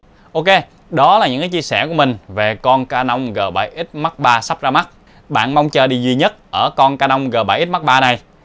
ok đó là những chia sẻ của mình về con canon g x mark iii sắp ra mắt bạn mong chờ điều gì nhất ở con canon g x mark iii này